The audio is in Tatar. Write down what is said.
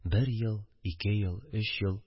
Бер ел, ике ел, өч ел